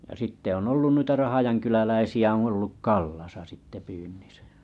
ja sitten on ollut noita Rahjankyläläisiä on ollut Kallassa sitten pyynnissä